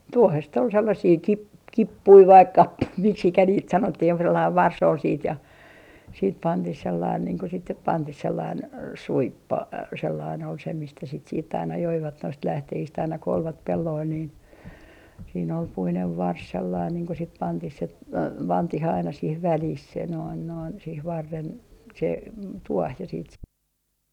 tuohesta oli sellaisia - kippuja vai kappuja miksi niitä sanottiin joku sellainen varsi oli sitten ja sitten pantiin sellainen niin kuin sitten nyt pantiin sellainen suippo sellainen oli se mistä sitä sitten aina joivat noista lähteistä aina kun olivat pelloilla niin siinä oli puinen varsi sellainen niin kun sitten pantiin se pantiin aina siihen väliin se noin noin siihen varren se tuohi ja sitten se